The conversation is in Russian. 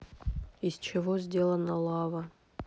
из чего сделана лава